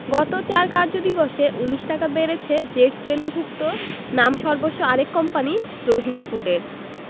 গত ৪ কার্যদিবসে ১৯ টাকা বেড়েছে জেড শ্রেণিভুক্ত নামসর্বস্ব আরেক কোম্পানি রহিমা ফুডের